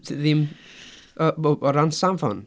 S- ddim y b- o o ran safon?